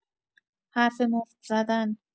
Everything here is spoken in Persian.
حرف مفت زدن